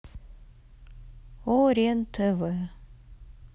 орен тв